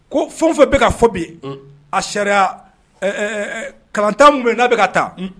Ko fɛn fɛ bɛ ka fɔ bi a sariya kalantan minnu yen n'a bɛ ka taa